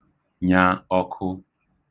nyā ọ̄kụ̄